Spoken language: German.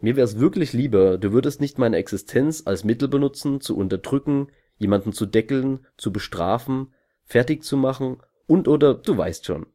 Mir wär’ s wirklich lieber, Du würdest nicht meine Existenz als Mittel benutzen, zu unterdrücken, jemanden zu deckeln, zu bestrafen, fertigzumachen und/oder du weißt schon.